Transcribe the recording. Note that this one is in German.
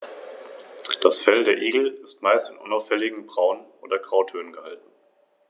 Neben den drei staatlichen Verwaltungsstellen des Biosphärenreservates gibt es für jedes Bundesland einen privaten Trägerverein.